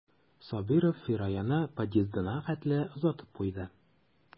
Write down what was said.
Сабиров Фираяны подъездына хәтле озатып куйды.